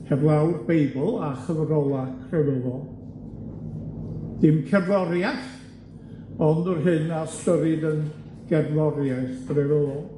heblaw'r Beibl a chyfrola crefyddol, dim cerddoriath ond yr hyn a ystyrid yn gerddoriaeth grefyddol.